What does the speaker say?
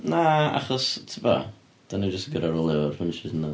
Na, achos tibod, dan ni jyst yn gorod rowlio efo'r punches yndan.